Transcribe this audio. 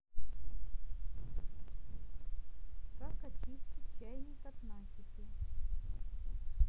как очистить чайник от накипи